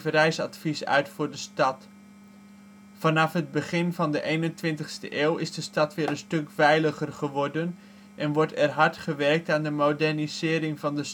reisadvies uit voor de stad. Vanaf het begin van de 21ste eeuw is de stadweer een stuk veiliger geworden en wordt er hard gewerkt aan de modernisering van de